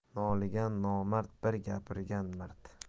noligan nomard bir gapirgan mard